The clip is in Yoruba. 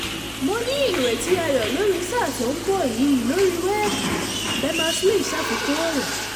"Mó ní ìrétí ayọ lórí sáà tó ń bọ̀ yìí lórí wẹ́ẹ̀bù,” Bermers-Lee ṣàfikún ọ̀rọ̀.